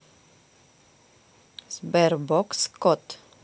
sberbox кот